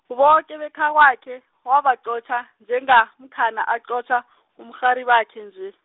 boke bekhakwakhe, wabaqotjha, njengamkhana, aqotjha umrharibakhe nje.